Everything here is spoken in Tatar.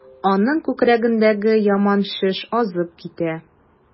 Аның күкрәгендәге яман шеш азып китә.